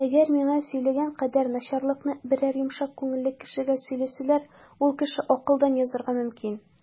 Әгәр миңа сөйләгән кадәр начарлыкны берәр йомшак күңелле кешегә сөйләсәләр, ул кеше акылдан язарга мөмкин.